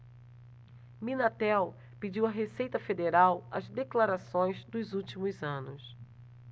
minatel pediu à receita federal as declarações dos últimos anos